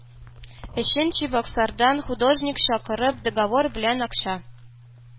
Өчен, чебоксардан художник чакырып, договор белән акча